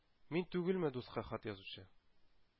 Мин түгелме дуска хат язучы,